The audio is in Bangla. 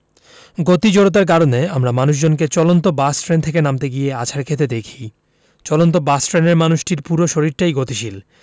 গতি জড়তার কারণে আমরা মানুষজনকে চলন্ত বাস ট্রেন থেকে নামতে গিয়ে আছাড় খেতে দেখি চলন্ত বাস ট্রেনের মানুষটির পুরো শরীরটাই গতিশীল